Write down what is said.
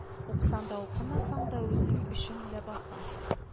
Укысаң да укымасаң да үзең өчен ләбаса